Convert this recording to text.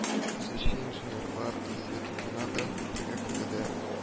Төзүче инженерлар институтына да бергә керделәр